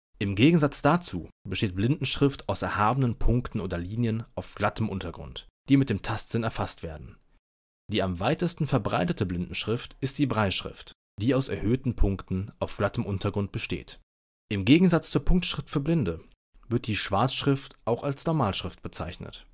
Im Gegensatz dazu besteht Blindenschrift aus erhabenen Punkten oder Linien auf glattem Untergrund, die mit dem Tastsinn erfasst werden. Die am weitesten verbreitete Blindenschrift ist die Brailleschrift, die aus erhöhten Punkten auf glattem Untergrund besteht. Im Gegensatz zur Punktschrift für Blinde wird die Schwarzschrift auch als Normalschrift bezeichnet